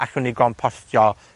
allwn ni gompostio